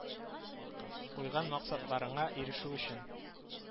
Куйган максатларыңа ирешә өчен